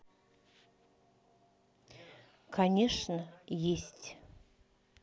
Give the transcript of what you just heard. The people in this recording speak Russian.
конечно есть